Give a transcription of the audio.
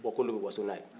bɔkolow bɛ waso ni a ye